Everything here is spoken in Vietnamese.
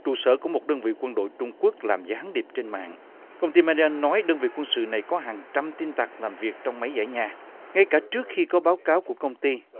trụ sở của một đơn vị quân đội trung quốc làm gián điệp trên mạng công ty man đi ơn nói đơn vị quân sự này có hàng trăm tin tặc làm việc trong mấy dãy nhà ngay cả trước khi có báo cáo của công ty